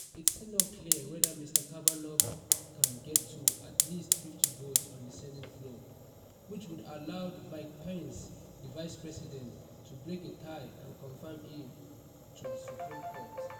It's still not clear whether Mr Kavanaugh can get to at least 50 votes on the Senate floor, which would allow Mike Pence, the vice president, to break a tie and confirm him to the Supreme Court.